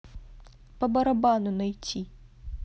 по барабану найти